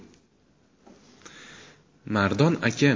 mardon aka